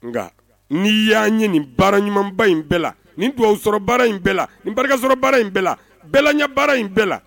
Nka ni y'a ye nin baara ɲumanba in bɛɛ la nin sɔrɔ baara in bɛɛ la nin barikasɔrɔ baara in bɛɛ la bɛɛla ɲɛ baara in bɛɛ la